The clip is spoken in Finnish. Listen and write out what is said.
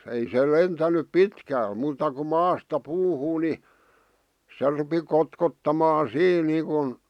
ei se lentänyt pitkälle muuta kuin maasta puuhun niin se rupesi kotkottamaan siinä niin kuin